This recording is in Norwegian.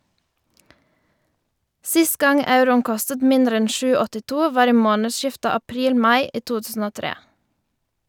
Sist gang euroen kostet mindre enn 7,82, var i månedsskiftet april-mai i 2003.